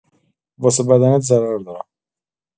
واسه بدنت ضرر داره.